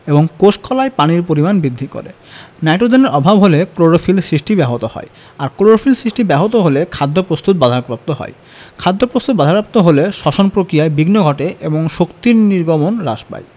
এবং কোষ কলায় পানির পরিমাণ বৃদ্ধি করে নাইট্রোজেনের অভাব হলে ক্লোরোফিল সৃষ্টি ব্যাহত হয় আর ক্লোরোফিল সৃষ্টি ব্যাহত হলে খাদ্য প্রস্তুত বাধাপ্রাপ্ত হয় খাদ্যপ্রস্তুত বাধাপ্রাপ্ত হলে শ্বসন প্রক্রিয়ায় বিঘ্ন ঘটে এবং শক্তি নির্গমন হ্রাস পায়